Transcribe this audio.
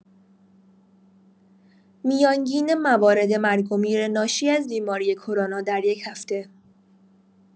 میانگین موارد مرگ و میر ناشی از بیماری کرونا در یک هفته